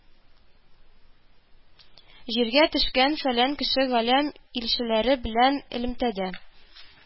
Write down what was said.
Җиргә төшкән, фәлән кеше галәм илчеләре белән элемтәдә